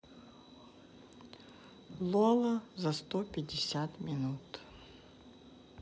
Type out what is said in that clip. лоло за сто пятьдесят минут